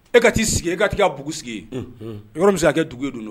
E ka' i sigi e ka tɛ' bbugu sigi bɛ ka kɛ dugu ye don